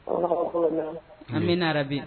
An bɛ abi